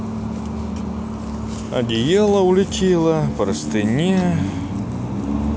одеяло улетела простыня